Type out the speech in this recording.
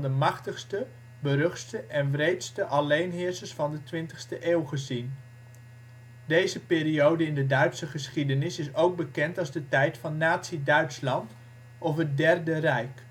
machtigste, beruchtste en wreedste alleenheersers van de 20e eeuw gezien. Deze periode in de Duitse geschiedenis is ook bekend als de tijd van nazi-Duitsland of het Derde Rijk